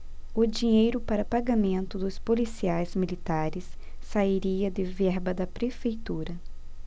o dinheiro para pagamento dos policiais militares sairia de verba da prefeitura